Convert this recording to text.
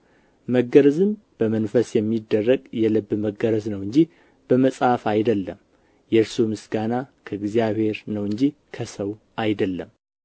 መገረዝም በመንፈስ የሚደረግ የልብ መገረዝ ነው እንጂ በመጽሐፍ አይደለም የእርሱ ምስጋና ከእግዚአብሔር ነው እንጂ ከሰው አይደለም